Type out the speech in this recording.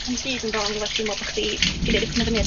'Sa'm byd yn wrong efo teimlo bo' chdi 'di g'neud y penderfyniad